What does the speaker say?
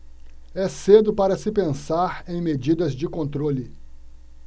é cedo para se pensar em medidas de controle